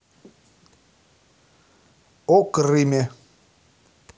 о крыме